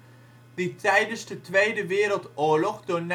tijdens de Tweede Wereldoorlog door